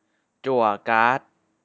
จั่วการ์ด